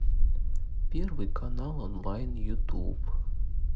первый канал онлайн ютуб